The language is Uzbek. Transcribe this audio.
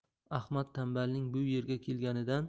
ahmad tanbalning bu yerga